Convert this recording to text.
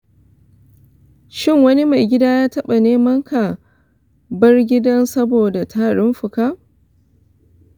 shin wani mai gida ya taɓa neman ka bar gidan saboda tarin fuka?